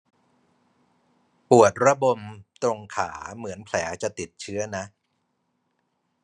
ปวดระบมตรงขาเหมือนแผลจะติดเชื้อนะ